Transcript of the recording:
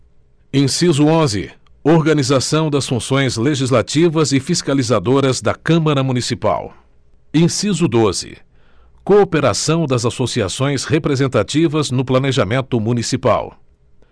inciso onze organização das funções legislativas e fiscalizadoras da câmara municipal inciso doze cooperação das associações representativas no planejamento municipal